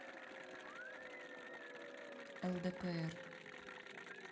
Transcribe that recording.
лдпр